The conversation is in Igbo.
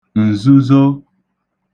ǹzuzo